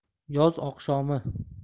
yoz oqshomi